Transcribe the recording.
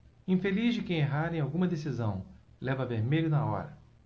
infeliz de quem errar em alguma decisão leva vermelho na hora